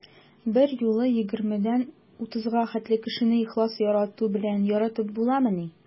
Берьюлы 20-30 кешене ихлас ярату белән яратып буламыни?